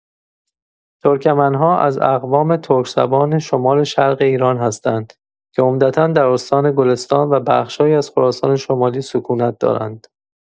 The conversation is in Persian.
ترکمن‌ها از اقوام ترک‌زبان شمال‌شرق ایران هستند که عمدتا در استان گلستان و بخش‌هایی از خراسان شمالی سکونت دارند.